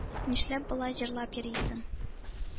Нишләп болай җырлап йөрисең?